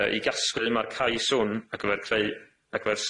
Yy i gasglu ma'r cais hwn ar gyfer creu ar gyfer